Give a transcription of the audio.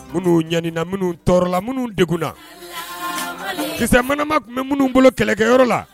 Minnu ɲaniina minnu tɔɔrɔla minnu deg na gesesɛ manama tun bɛ minnu bolo kɛlɛkɛyɔrɔ la